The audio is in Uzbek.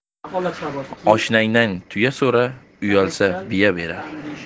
oshnangdan tuya so'ra uyalsa biya berar